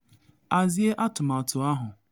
Hazie atụmatụ ahụ."